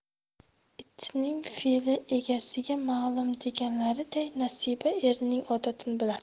itning fe'li egasiga ma'lum deganlariday nasiba erining odatini biladi